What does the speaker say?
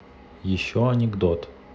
еще анекдот